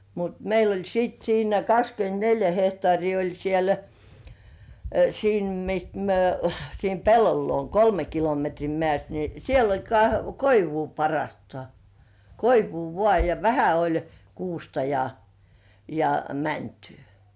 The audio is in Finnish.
mutta meillä oli sitten siinä kaksikymmentäneljä hehtaaria oli siellä siinä mistä me siinä pellon luona kolme kilometriä meistä niin siellä oli - koivua parhaastaan koivua vain ja vähän oli kuusta ja ja mäntyä